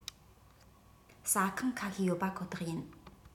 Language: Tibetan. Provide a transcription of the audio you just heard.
ཟ ཁང ཁ ཤས ཡོད པ ཁོ ཐག ཡིན